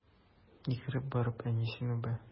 Йөгереп барып әнисен үбә.